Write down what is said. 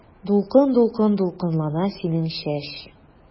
Дулкын-дулкын дулкынлана синең чәч.